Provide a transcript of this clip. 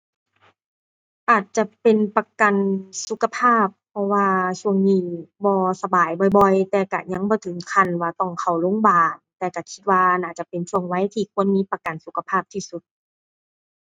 อาจจะเป็นประกันสุขภาพ เพราะว่าช่วงนี้บ่สบายบ่อยบ่อย แต่ก็ยังบ่ถึงขั้นว่าต้องเข้าโรงบาล แต่ก็คิดว่าน่าจะเป็นช่วงวัยที่ควรมีประกันสุขภาพที่สุด